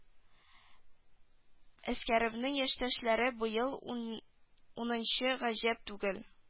Әскәревнең яшьтәшләре быел унынчы гаҗәп түгел